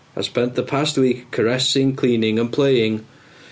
Has spent the past week caressing, cleaning and playing...